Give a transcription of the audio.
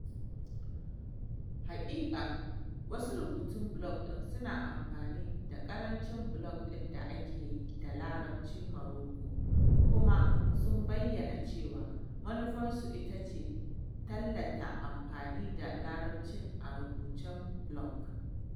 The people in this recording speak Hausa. Haƙiƙa, wasu rubutun blog ɗin suna amfani, da ƙarancin blog ɗin da ake yi da Larabcin Morocco kuma sun bayyana cewa manufarsu ita ce tallata amfani da Larabci a rubutun blog.